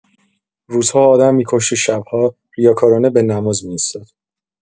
روزها آدم می‌کشت و شب‌ها ریاکارانه به نماز می‌ایستاد.